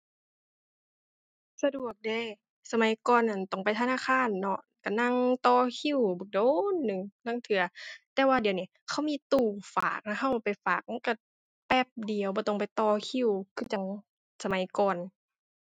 สะดวกเดะ สมัยก่อนนั้นต้องไปธนาคารเนาะ ก็นั่งต่อคิวบักโดนหนึ่ง ลางเทื่อ แต่ว่าเดี๋ยวนี้เขามีตู้ฝากให้ก็ไปฝาก มันก็แป๊บเดียวบ่ต้องไปต่อคิวคือจั่งสมัยก่อน